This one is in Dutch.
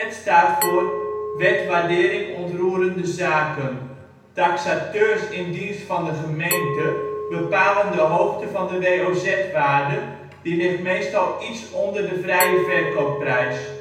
staat voor: Wet waardering onroerende zaken. Taxateurs in dienst van de gemeente bepalen de hoogte van de WOZ-waarde, die ligt meestal iets onder de vrije verkoopprijs